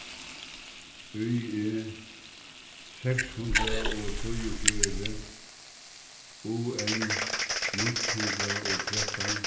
y e seks hundrað og trýogfjøruti u n níggju hundrað og trettan